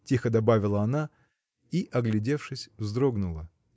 — тихо добавила она и, оглядевшись, вздрогнула.